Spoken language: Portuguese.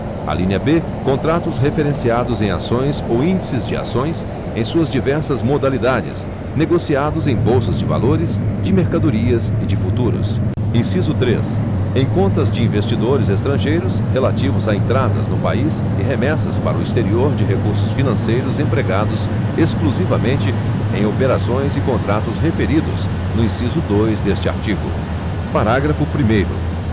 alínea b contratos referenciados em ações ou índices de ações em suas diversas modalidades negociados em bolsas de valores de mercadorias e de futuros inciso três em contas de investidores estrangeiros relativos a entradas no país e remessas para o exterior de recursos financeiros empregados exclusivamente em operações e contratos referidos no inciso dois deste artigo parágrafo primeiro